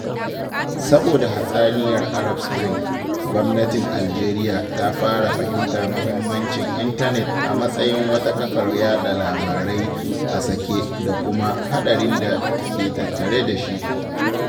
Saboda hatsaniyar Arab Spring, gwamnatin Aljeriya ta fara fahimtar muhimmancin Intanet a matsayin wata kafar yaɗa labarai a sake da kuma haɗarin da ke tattare da shi.